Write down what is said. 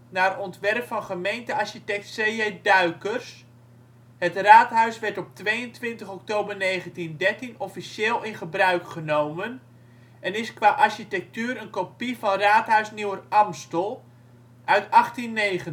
naar ontwerp van gemeentearchitect C.J. Duykers. Het raadhuis werd op 22 oktober 1913 officieel in gebruik genomen en is qua architectuur een kopie van Raadhuis Nieuwer-Amstel uit 1890